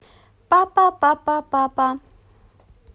папа папа папа